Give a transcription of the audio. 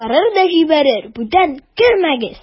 Чыгарыр да җибәрер: "Бүтән кермәгез!"